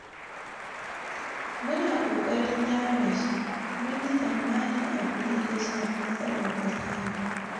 Mu na ƙoƙarin gyara shi, mun yi tsammani abu ne da ya shafi matsalar fasaha.